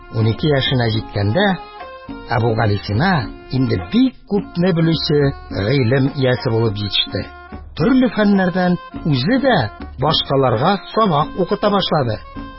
Унике яшенә җиткәндә, Әбүгалисина инде бик күпне белүче гыйлем иясе булып җитеште, төрле фәннәрдән үзе дә башкаларга сабак укыта башлады.